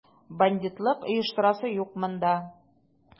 Бандитлык оештырасы юк монда!